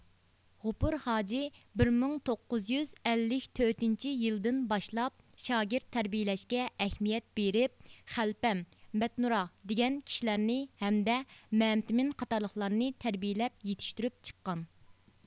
غوپۇر ھاجى بىر مىڭ توققۇز يۈز ئەللىك تۆتىنچى يىلىدىن باشلاپ شاگىرت تەربىيىلەشكە ئەھمىيەت بېرىپ خەلپەم مەتنۇرا دېگەن كىشىلەرنى ھەمدە مەمتىمىن قاتارلىقلارنى تەربىيىلەپ يېتىشتۈرۈپ چىققان